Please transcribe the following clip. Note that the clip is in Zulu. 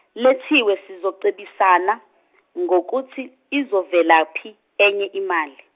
Lethiwe sizocebisana , ngokuthi izovelaphi enye imali.